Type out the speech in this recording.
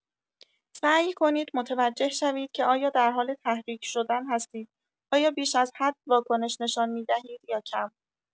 سعی کنید متوجه شوید که آیا در حال تحریک شدن هستید، آیا بیش از حد واکنش نشان می‌دهید یا کم.